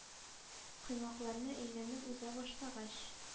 “коймак”ларны әйләнеп уза башлагач,